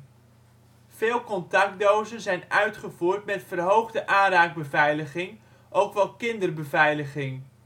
Veel contactdozen zijn uitgevoerd met verhoogde aanraakbeveiliging (ook wel kinderbeveiliging